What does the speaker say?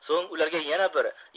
so'ng ularga yana bir